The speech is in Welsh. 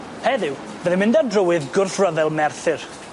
Heddiw fyddai'n mynd ar drywydd gwrthryfel Merthyr.